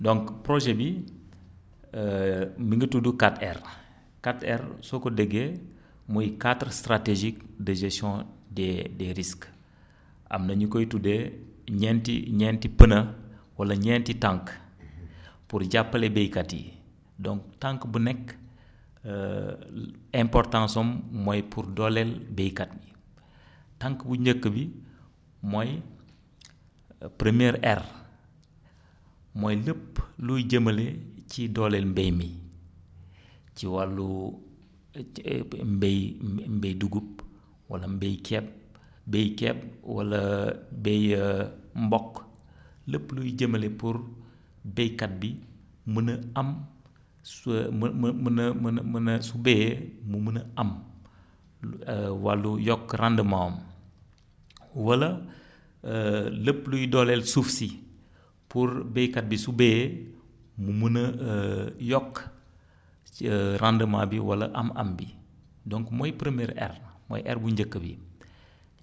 donc projet bii mi ngi tudd 4R 4R soo lo déggee muy 4 stratégies de gestion des des risques am na ñu koy tuddee ñenti ñenti pneus wala ñenti tànk pour jàppale baykat yi donc tànk bu nekk importance am mooy pour dooleel baykat bi tànk bu njëkk bi mooy premier R mooy lépp luy jëmale ci dooleel mbay mi ci wàllu mbay mbay dugub wala mbay ceeb mbay ceeb wala bay mboq lépp luy jëmale pour baykat bi mën a am soo mën mën mën a mën a mën a su bayee mu mën a am wàllu yokk rendement am wala lépp luy dooleel suuf si pour baykat bi su bayee mu mën a yokk rendement bi wala am-am bi donc mooy premier R mooy R bu njëkk bi